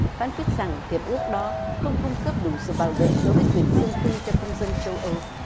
phán quyết rằng hiệp ước đó không cung cấp đủ sự bảo vệ đối với quyền riêng tư cho công dân châu âu